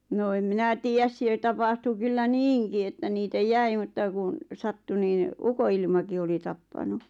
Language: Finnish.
no en minä tiedä siellä tapahtui kyllä niinkin että niitä jäi mutta kun sattui niin ukonilmakin oli tappanut